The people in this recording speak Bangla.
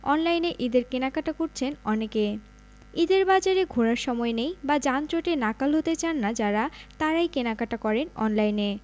অনলাইনে ঈদের কেনাকাটা করছেন অনেকে ঈদের বাজারে ঘোরার সময় নেই বা যানজটে নাকাল হতে চান না যাঁরা তাঁরাই কেনাকাটা করেন অনলাইনে